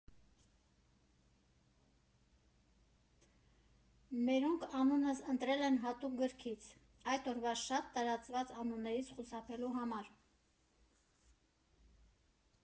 Մերոնք անունս ընտրել են հատուկ գրքից, այդ օրվա շատ տարածված անուններից խուսափելու համար։